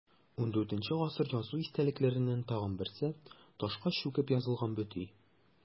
ХIV гасыр язу истәлекләреннән тагын берсе – ташка чүкеп язылган бөти.